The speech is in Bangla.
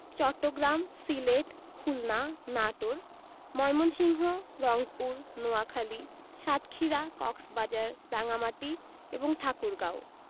চট্টগ্রাম সিলেট খুলনা নাটোর ময়মনসিংহ রংপুর নোয়াখালী সাতক্ষীরা কক্সবাজার রাঙ্গামাটি এবং ঠাকুরগাঁও